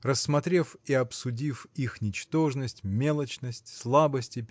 рассмотрев и обсудив их ничтожность мелочность слабости